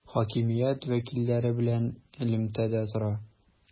Хакимият вәкилләре белән элемтәдә тора.